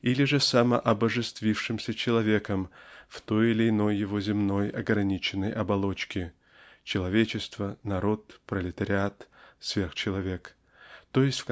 или же самообожествившимся человеком в той или иной его земной ограниченной оболочке (человечество народ пролетариат сверхчеловек) т. е.